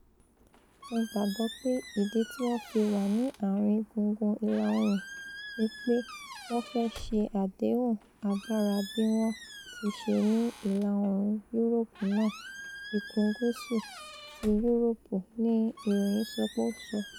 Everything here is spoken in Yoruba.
Mo gbàgbọ́ pé ìdí tíwọ́n fi wà ní Ààrin Gùngùn Ìlà-oòrun nípe wọ́n fẹ́ ṣe àdéhùn agbárs bí wọ́n tiṣe ni ìlà-oòrun Yuroopu náà, ikún gúúsù ti Yuroopu,'' ni iròyìn sọ pé o sọ.